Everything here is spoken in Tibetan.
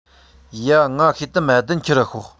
ཡ ངའ ཤེལ དམ བདུན ཁྱེར ར ཤོག